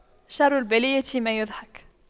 شر البلية ما يضحك